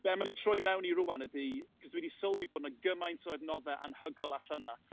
Be ma' di troi mewn i rŵan ydy... cos dwi 'di sylwi bod 'na gymaint o adnoddau anhygol allan 'na,